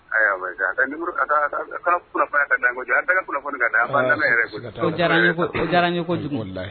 Aya baasi tɛ a ka numéro a kaa a ka f a' ka kunafoniya kad'an ye koyi ja an tɛ kɛ kunafoni kan dɛ an b'a' lamɛ yɛrɛ de koyi siga t'a la o diyar'an ye ko o diyar'an ye kojugu walahi